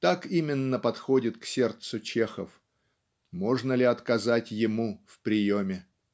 Так именно подходит к сердцу Чехов: можно ли отказать ему в приеме?